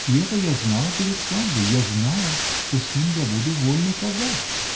И это я знала перед свадьбой, я знала, что с ним я буду вольный казак!